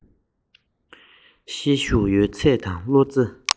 ལྡབ ལྡིབ ཅིག ཟློ བཞིན མར ཕྱིན སོང